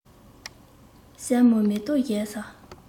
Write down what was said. སྲས མོ མེ ཏོག བཞད ས